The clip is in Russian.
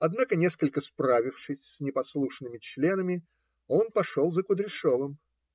Однако, несколько справившись с непослушными членами, он пошел за Кудряшовым.